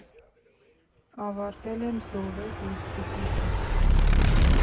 Ավարտել եմ ԶՈՎԵՏ ինստիտուտը։